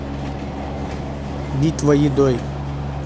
битва едой